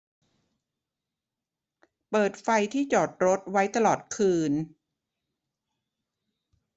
เปิดไฟที่จอดรถไว้ตลอดคืน